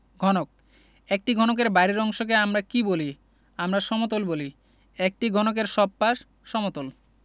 ঘনকঃ একটি ঘনকের বাইরের অংশকে আমরা কী বলি আমরা সমতল বলি একটি ঘনকের সব পাশ সমতল